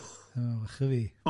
O ych a fi.